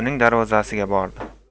uning darvozasiga bordi